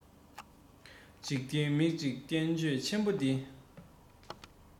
འཇིག རྟེན མིག གཅིག བསྟན བཅོས ཆེན པོ འདི